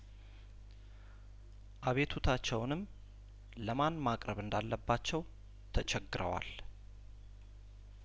አቤቱታቸውንም ለማን ማቅረብ እንዳለባቸው ተቸግረዋል